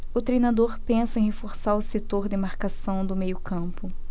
o treinador pensa em reforçar o setor de marcação do meio campo